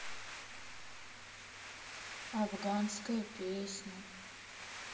афганская песня